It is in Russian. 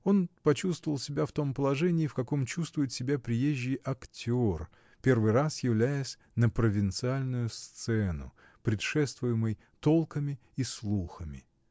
Он почувствовал себя в том положении, в каком чувствует себя приезжий актер, первый раз являясь на провинциальную сцену, предшествуемый толками и слухами.